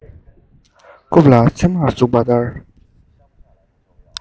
རྐུབ ལ ཚེར མ ཟུག པ ལྟར